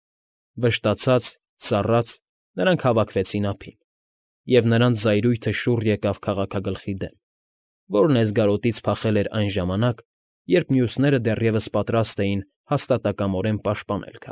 Վշտացած, սառած՝ նրանք հավաքվեցին ափին, և նրանց զայրույթը շուռ եկավ քաղաքագլխի դեմ, որն Էսգարոտից փախել էր այն ժամանակ, երբ մյուսները դեռևս պատրաստ էին հաստատակամորեն պաշտպանել։